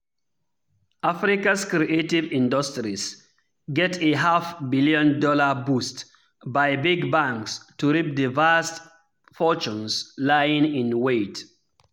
Africa's creative industries get a half-billion-dollar boost by big banks to reap the vast fortunes lying in wait'